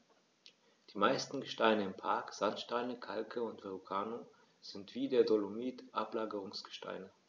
Die meisten Gesteine im Park – Sandsteine, Kalke und Verrucano – sind wie der Dolomit Ablagerungsgesteine.